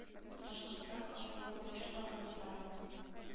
Башкортстан ашлыгын польшада гына сорамыйлар